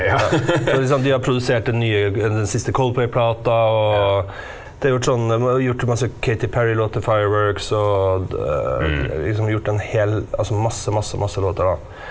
ja for liksom de har produsert den nye den siste Coldplay-plata, og de har gjort sånn dem har gjort masse Katy Perry-låter, Fireworks, og liksom gjort en hel altså masse masse masse låter da.